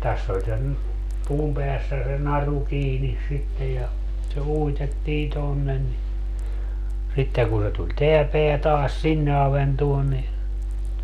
tässä oli sen puun päässä se naru kiinni sitten ja se uitettiin tuonne niin sitten kun se tuli tämä pää taas sinne avantoon niin